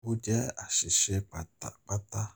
Ó jẹ́ àìṣeéṣe pátápátá.